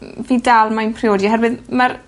fi dal moyn priodi oherwydd ma'r